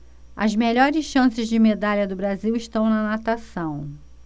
as melhores chances de medalha do brasil estão na natação